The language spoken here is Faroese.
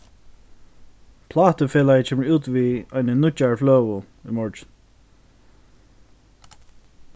plátufelagið kemur út við eini nýggjari fløgu í morgin